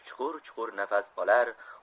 chuqur chuqur nafas olar